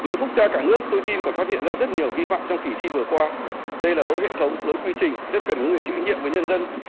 nếu phúc tra cả nước tôi tin còn phát hiện ra rất nhiều vi phạm trong kỳ thi vừa qua đây là lỗi hệ thống lỗi quy trình rất cần những người chịu trách nhiệm với nhân dân